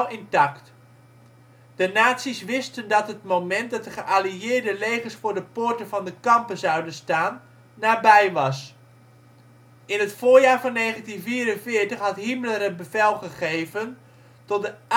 intact. De nazi 's wisten dat het moment dat de geallieerde legers voor de poorten van de kampen zouden staan nabij was. In het voorjaar van 1944 had Himmler het bevel gegeven tot de A-Fall